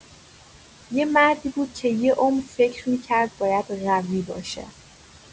یه مردی بود که یه عمر فکر می‌کرد باید قوی باشه.